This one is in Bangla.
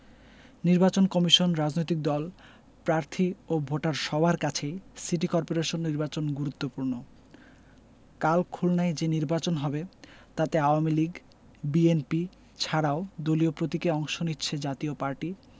নির্বাচন কমিশন রাজনৈতিক দল প্রার্থী ও ভোটার সবার কাছেই সিটি করপোরেশন নির্বাচন গুরুত্বপূর্ণ কাল খুলনায় যে নির্বাচন হবে তাতে আওয়ামী লীগ বিএনপি ছাড়াও দলীয় প্রতীকে অংশ নিচ্ছে জাতীয় পার্টি